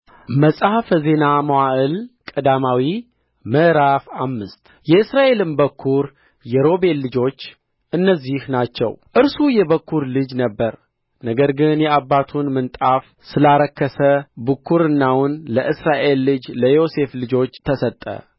መጽሐፈ ዜና መዋዕል ቀዳማዊ ምዕራፍ አምስት የእስራኤልም በኵር የሮቤል ልጆች እነዚህ ናቸው እርሱ የበኵር ልጅ ነበረ ነገር ግን የአባቱን ምንጣፍ ስላረከሰ ብኵርናው ለእስራኤል ልጅ ለዮሴፍ ልጆች ተሰጠ